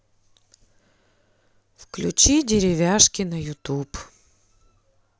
включи деревяшки на ютуб